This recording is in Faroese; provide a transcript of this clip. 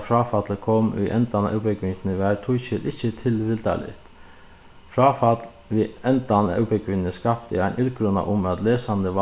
fráfallið kom í endanum á útbúgvingini var tískil ikki tilvildarligt fráfall við endan av útbúgvingini skapti ein illgruna um at lesandi